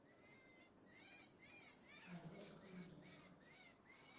алютка малютка